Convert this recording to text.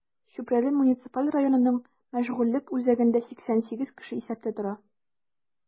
Чүпрәле муниципаль районының мәшгульлек үзәгендә 88 кеше исәптә тора.